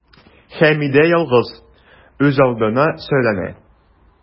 Хәмидә ялгыз, үзалдына сөйләнә.